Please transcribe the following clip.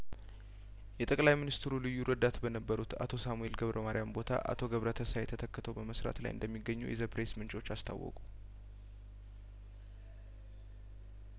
የጠቅላይ ሚኒስትሩ ልዩ ረዳት በነበሩት አቶ ሳሙኤል ገብረ ማርያም ቦታ አቶ ገብረ ትንሳኤ ተተክተው በመስራት ላይ እንደሚገኙ የዘፕሬስ ምንጮች አስታወቁ